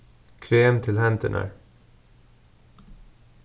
krem til hendurnar